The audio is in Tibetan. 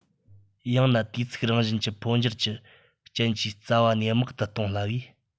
ཡང ན དུས ཚིགས རང བཞིན གྱི འཕོ འགྱུར གྱི རྐྱེན གྱིས རྩ བ ནས རྨེག ཏུ གཏོང སླ བས